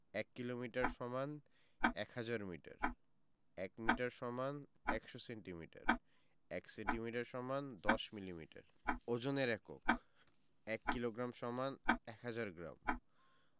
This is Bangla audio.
১ kilometre = ১০০০ metre ১ metre = ১০০ centimetre ১ centimetre = ১০ millimetre ওজনের এককঃ ১ কিলোগ্রাম = ১০০০ গ্রাম